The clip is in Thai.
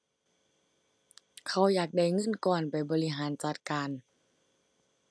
เขาอยากได้เงินก้อนไปบริหารจัดการ